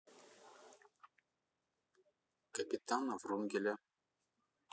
капитана врунгеля